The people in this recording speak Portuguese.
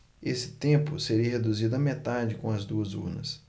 esse tempo seria reduzido à metade com as duas urnas